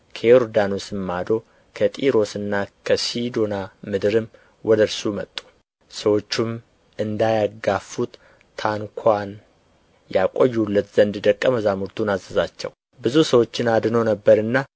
ከዮርዳኖስ ማዶም ከጢሮስና ከሲዶና ምድርም ወደ እርሱ መጡ ሰዎቹም እንዳያጋፉት ታንኳን ያቆዩለት ዘንድ ደቀ መዛሙርቱን አዘዛቸው ብዙ ሰዎችን አድኖ ነበርና